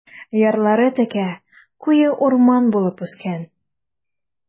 Ярлары текә, куе урман булып үскән.